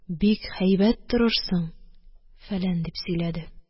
Бик һәйбәт торырсың, фәлән, – дип сөйләде